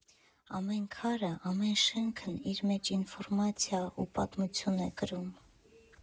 Ամեն քարը, ամեն շենքն իր մեջ ինֆորմացիա ու պատմություն է կրում։